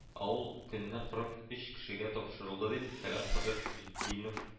Ә ул көнне кырык оч кешегә тапшырылды, дип, тәлгать хәзрәт таҗетдинов